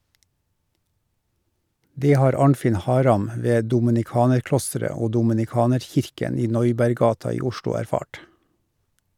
Det har Arnfinn Haram ved dominikanerklosteret og dominikanerkirken i Neuberggata i Oslo erfart.